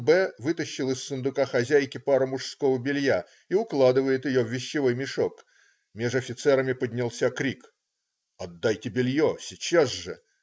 Б. вытащил из сундука хозяйки пару мужского белья и укладывает ее в вещевой мешок. Меж офицерами поднялся крик. "Отдайте белье! сейчас же!